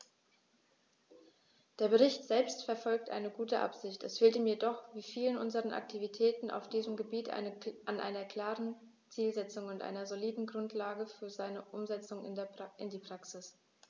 Der Bericht selbst verfolgt eine gute Absicht, es fehlt ihm jedoch wie vielen unserer Aktivitäten auf diesem Gebiet an einer klaren Zielsetzung und einer soliden Grundlage für seine Umsetzung in die Praxis.